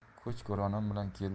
ko'ch ko'ronim bilan keldim